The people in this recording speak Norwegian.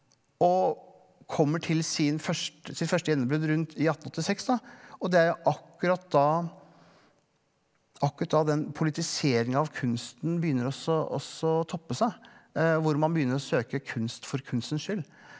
og kommer til sin først sitt første gjennombrudd rundt i 1886 da og det er jo akkurat da akkurat da den politiseringa av kunsten begynner også også toppe seg hvor man begynner å søke kunst for kunstens skyld.